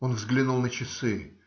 Он взглянул на часы.